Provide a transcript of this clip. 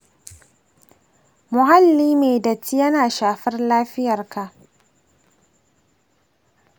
muhalli mai datti yana shafar lafiyarka?